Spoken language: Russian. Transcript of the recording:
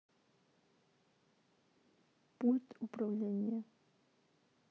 пульт управления